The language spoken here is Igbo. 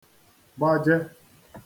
gbajē